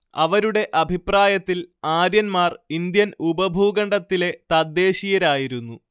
അവരുടെ അഭിപ്രായത്തിൽ ആര്യന്മാർ ഇന്ത്യൻ ഉപഭൂഖണ്ഡത്തിലെ തദ്ദേശീയരായിരുന്നു